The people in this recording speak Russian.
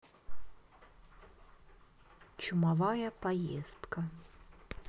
чумовая поездка